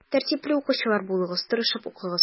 Тәртипле укучылар булыгыз, тырышып укыгыз.